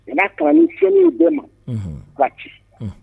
Mais n'a kalan ni ye cɛnni ye bɛɛ ma, unhun, o ka ci, un.